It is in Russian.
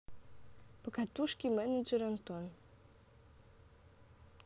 покатушки менеджер антон